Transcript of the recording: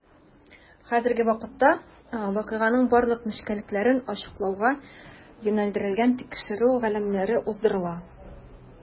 Хәзерге вакытта вакыйганың барлык нечкәлекләрен ачыклауга юнәлдерелгән тикшерү гамәлләре уздырыла.